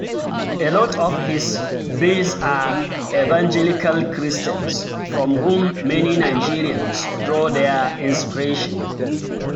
A lot of his base are evangelical Christians, from whom many Nigerians draw their inspiration.